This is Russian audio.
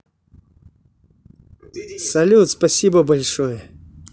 салют спасибо большое